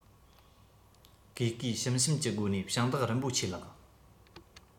གུས གུས ཞུམ ཞུམ གྱི སྒོ ནས ཞིང བདག རིན པོ ཆེ ལགས